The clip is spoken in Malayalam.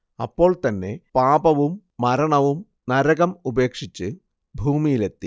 അപ്പോൾ തന്നെ പാപവും മരണവും നരകം ഉപേക്ഷിച്ച് ഭൂമിയിലെത്തി